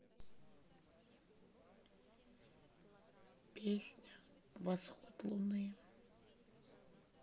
песня восход луны